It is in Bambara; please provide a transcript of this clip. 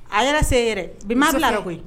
A yɛrɛ se yɛrɛ bi ma bila koyi